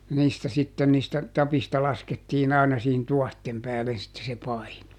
ja niistä sitten niistä tapeista laskettiin aina siihen tuohien päälle sitten se paino